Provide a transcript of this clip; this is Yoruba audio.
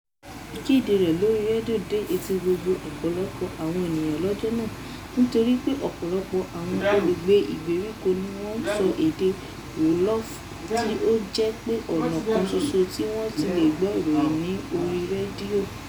Ìkéde rẹ lórí rédíò dé etí gbọ̀ọ́ ọ̀pọ̀lọpọ̀ àwọn ènìyàn lọ́jọ́ náà, nítorí pé ọ̀pọ̀lọpọ̀ àwọn olùgbé ìgbèríko ni wọ́n ń sọ èdè Wolof tí ó sì jẹ́ pé ọ̀nà kan ṣoṣo tí wọ́n ti le gbọ́ ìròyìn ní orí rédíò.